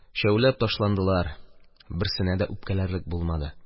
Өчәүләп ташландылар, берсенә дә үпкәләрлек булмады.